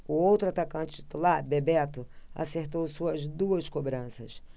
o outro atacante titular bebeto acertou suas duas cobranças